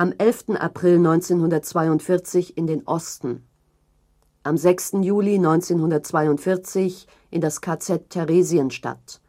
11. April 1942 in den Osten, am 6. Juli 1942 in das KZ Theresienstadt